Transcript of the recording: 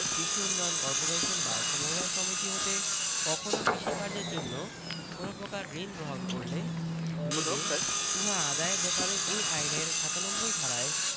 কৃষি উন্নয়ন কর্পোরেশন বা সমবায় সমিতি হতে কখনো কৃষি কায্যের জন্য কোন প্রকার ঋণ গ্রহণ করলে নিলে উহা আদায়ের ব্যাপারে এ আইনের ৯৭ ধারায়